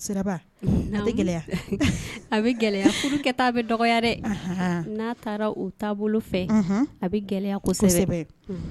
A bɛ gɛlɛya taa bɛ dɔgɔ dɛ n'a taara u taabolo fɛ a bɛ gɛlɛya